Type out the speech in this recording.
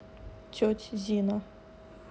теть зина